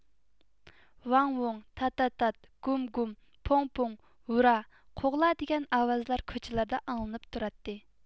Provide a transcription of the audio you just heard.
ۋاڭ ۋۇڭ تا تا تات گوم گۇم پوڭ پوڭ ھۇررا قوغلا دىگەن ئاۋازلار كوچىلاردا ئاڭلىنىپ تۇراتتى